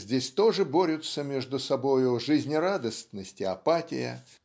Здесь тоже борются между собою жизнерадостность и апатия